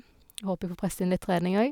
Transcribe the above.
Håper jeg får presset inn litt trening òg.